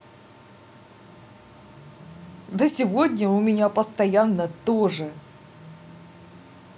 да сегодня у меня постоянно тоже